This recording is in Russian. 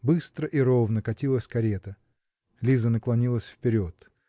Быстро и ровно катилась карета Лиза наклонилась вперед